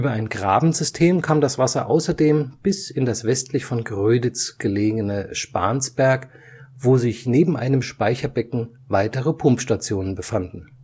ein Grabensystem kam das Wasser außerdem bis in das westlich von Gröditz gelegene Spansberg, wo sich neben einem Speicherbecken weitere Pumpstationen befanden